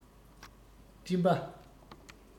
སྤྲིན པ